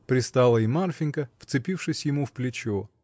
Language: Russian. — пристала и Марфинька, вцепившись ему в плечо.